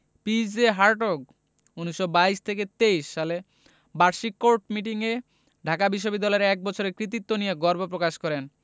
P J Hartog ১৯২২ ২৩ সালে বার্ষিক court meeting এ ঢাকা বিশ্ববিদ্যালয়ের এক বছরের কৃতিত্ব নিয়ে গর্ব প্রকাশ করেন